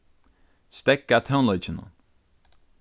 steðga tónleikinum